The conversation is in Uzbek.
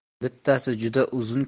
bittasi juda uzun